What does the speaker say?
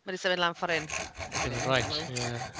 Ma' hi 'di symud lawr ffor' hyn erbyn hyn... o reit. ...dwi'n meddwl... ie.